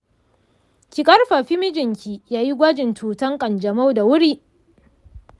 ki ƙarfafi mijinki yayi gwajin cutan ƙanjamau da wuri.